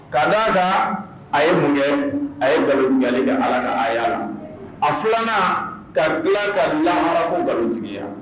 Ka'a d a ta a ye mun kɛ a ye nkalontigi ala ka a la a filanan ka bila ka laharako nkalontigiya